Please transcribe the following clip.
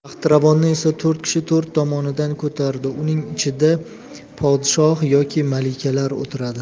taxtiravonni esa to'rt kishi to'rt tomonidan ko'taradi uning ichida podshoh yoki malikalar o'tiradi